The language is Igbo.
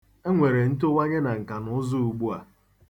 E nwere ntowanye na nkanụzụ ugbu a.